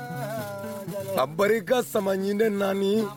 A barika ka samaɲ naani